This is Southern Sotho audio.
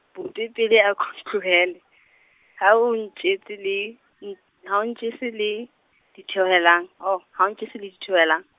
bope pele a ko ntlohele, ha o ntjese le , ha o ntjese le, ditheohelang, oh, ha o ntjese le ditheohelang.